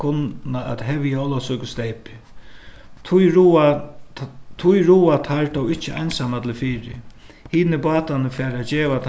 kunna at hevja ólavsøkusteypið tí ráða tí ráða teir tó ikki einsamallir fyri hinir bátarnir fara at geva